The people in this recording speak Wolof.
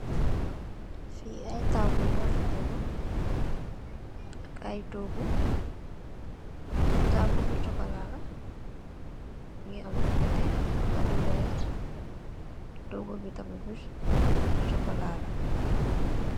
Fu ay tabul nyo fa tegu ak ay togu tabul bi cxocola la mongi am lu nete ak lu welet togu bi tamit bu chocola la.